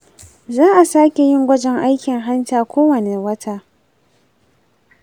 za a sake yin gwajin aikin hanta kowanne wata.